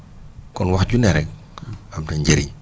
kon wax ju ne rek am na njëriñ